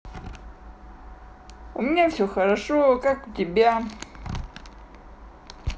у меня все хорошо как у тебя